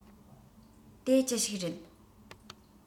དེ ཅི ཞིག རེད